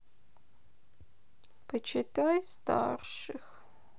почитай старших